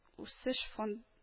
Үсеш фон